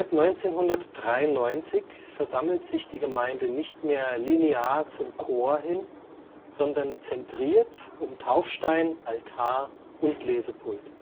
1993 versammelt sich die Gemeinde nicht mehr linear zum Chor hin, sondern zentriert um Taufstein, Altar und Lesepult